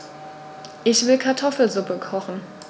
Ich will Kartoffelsuppe kochen.